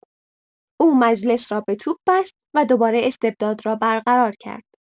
او مجلس را به توپ بست و دوباره استبداد را برقرار کرد.